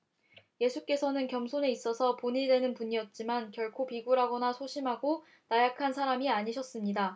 예수께서는 겸손에 있어서 본이 되는 분이셨지만 결코 비굴하거나 소심하고 나약한 사람이 아니셨습니다